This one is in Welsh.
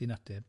Ti'n ateb.